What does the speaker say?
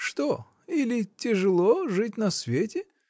— Что: или тяжело жить на свете?